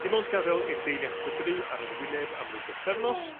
Dim ond gad'el i'r deiliech bydru ar yr wyneb am ryw bythefnos